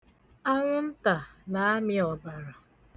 Anwụnta na-amị ọbara.